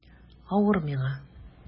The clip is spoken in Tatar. Авыр миңа...